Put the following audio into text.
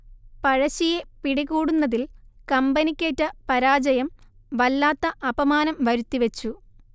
പഴശ്ശിയെ പിടികൂടുന്നതിൽ കമ്പനിക്കേറ്റ പരാജയം വല്ലാത്ത അപമാനം വരുത്തിവെച്ചു